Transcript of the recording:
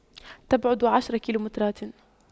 تبعد عشر كيلومترات